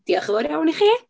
Diolch yn fawr iawn i chi.